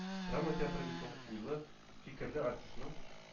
Драма театры бит ул – уйлы, фикерле артистның